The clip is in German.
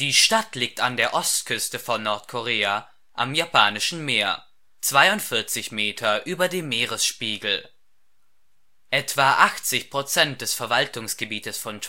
Stadt liegt an der Ostküste von Nordkorea am Japanischen Meer, 42 Meter über dem Meeresspiegel. Etwa 80 Prozent des Verwaltungsgebietes von